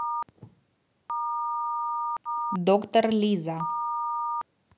доктор лиза